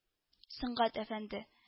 Сөнгать әфәнде